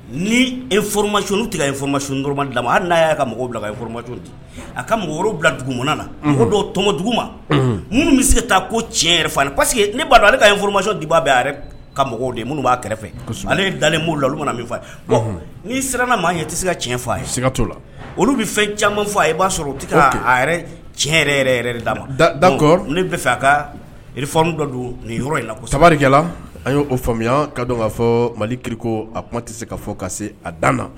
Ni emac tigɛ fmama ma hali n'a y'a ka mɔgɔw bila ama a ka mɔgɔw bila dugu na don tɔmɔ dugu ma minnu bɛ se ka taa ko tiɲɛseke ne b'a dɔn ale ka fma diba bɛ ka mɔgɔw de minnu b'a kɛrɛfɛ ale dalen la olu min fɔ ni'i siran maa ɲɛ tɛ se ka tiɲɛ se t la olu bɛ fɛn caman fɔ a b'a sɔrɔ u tɛ tiɲɛ d'a ma ne fɛ a kafa dɔ don yɔrɔ in ko sabaliri an yo faamuya ka dɔn k'a fɔ mali kiriko a kuma tɛ se ka fɔ ka se a dan na